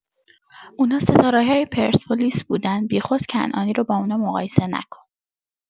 اونا ستاره‌های پرسپولیس بودن بیخود کنعانی رو با اونا مقایسه نکن!